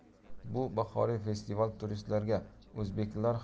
bu bahoriy festival turistlarga o'zbeklar